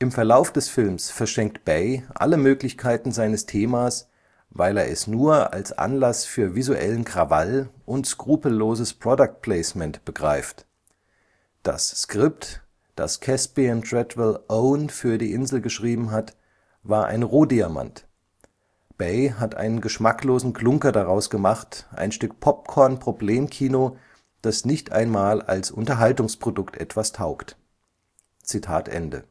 Verlauf des Films verschenkt Bay alle Möglichkeiten seines Themas, weil er es nur als Anlaß für visuellen Krawall und skrupelloses Product Placement begreift. Das Skript, das Caspian Tredwell-Owen für Die Insel geschrieben hat, war ein Rohdiamant; Bay hat einen geschmacklosen Klunker daraus gemacht, ein Stück Popcorn-Problemkino, das nicht einmal als Unterhaltungsprodukt etwas taugt. “David